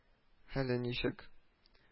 — хәле ничек…